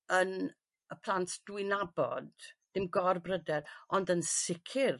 yn y plant dwi nabod dim gor-bryder ond yn sicir